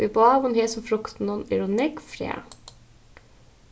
í báðum hesum fruktunum eru nógv fræ